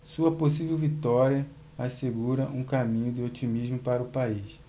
sua possível vitória assegura um caminho de otimismo para o país